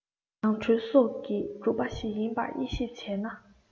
ནང ཁྲོལ སོགས ཀྱིས གྲུབ པ ཞིག ཡིན པར དབྱེ ཞིབ བྱས ན